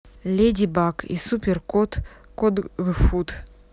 леди баг и супер кот кодгфуд